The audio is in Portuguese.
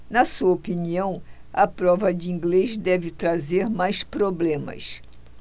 na sua opinião a prova de inglês deve trazer mais problemas